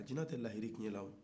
jina tɛ lahidu tiɲa